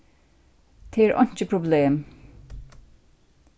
tað er einki problem